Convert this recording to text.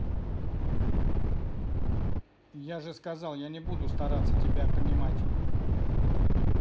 я же сказал я не буду стараться тебя понимать